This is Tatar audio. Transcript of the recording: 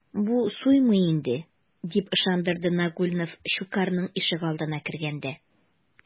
Бу суймый инде, - дип ышандырды Нагульнов Щукарьның ишегалдына кергәндә.